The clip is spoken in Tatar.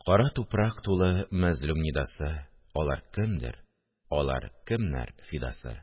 Кара тупрак тулы мәзлум нидасы , Алар кемдер?.. Алар кемнәр фидасы?